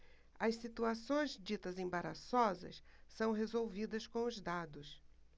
as situações ditas embaraçosas são resolvidas com os dados